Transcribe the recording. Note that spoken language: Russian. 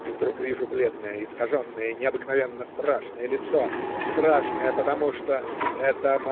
и вдруг вижу бледное, искаженное, необыкновенно страшное лицо, страшное потому, что это